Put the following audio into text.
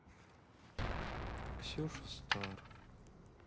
ксюша стар